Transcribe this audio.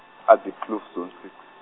a- Diepkloof zone six.